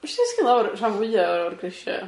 Nes i ddisgyn lawr rhan fwya o'r grisia.